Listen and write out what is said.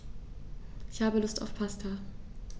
Ich habe Lust auf Pasta.